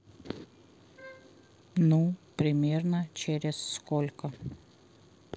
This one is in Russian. ну примерно через сколько